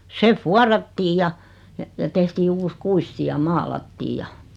se vuorattiin ja ja ja tehtiin uusi kuisti ja maalattiin ja